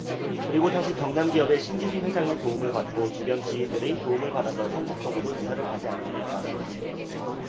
그리고 다시 경남기업의 신기수 회장의 도움을 받고 주변 지인들의 도움을 받아서 성북동으로 이사를 가지 않습니까